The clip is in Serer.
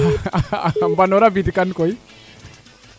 mbano rabid kan koy